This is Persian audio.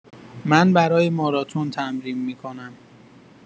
من برای ماراتن تمرین می‌کنم.